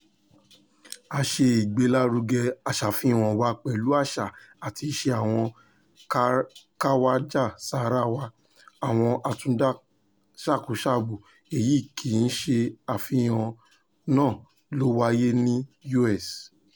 A ṣe ìgbélarúgẹ ìṣàfihàn wa pẹ̀lú àṣà àti ìṣẹ àwọn KhawajaSara wa (àwọn Àtúndásákosábo), èyí kì í ṣe ìṣàfihàn náà ló wáyé ní US.